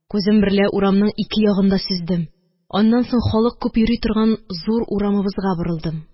Күзем берлә урамның ике ягын да сөздем. Аннан соң халык күп йөри торган зур урамыбызга борылдым